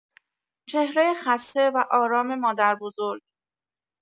چهره خسته و آرام مادربزرگ